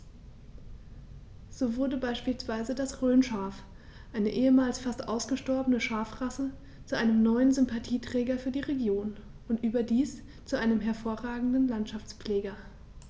So wurde beispielsweise das Rhönschaf, eine ehemals fast ausgestorbene Schafrasse, zu einem neuen Sympathieträger für die Region – und überdies zu einem hervorragenden Landschaftspfleger.